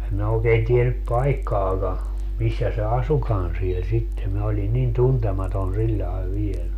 en minä oikein tiennyt paikkaakaan missä se asuikaan siellä sitten minä olin niin tuntematon sillä lailla vielä